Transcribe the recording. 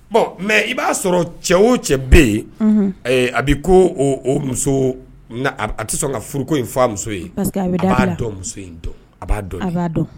Bon mais i b'a sɔrɔ cɛ o cɛ bɛ yen, unhun, a bɛ ko o o o muso, unhun, a tɛ sɔn ka furuko in fɔ muso ye, parce que a bi dabila, a b'a dɔn, muso in dɔn, a b'a dɔn.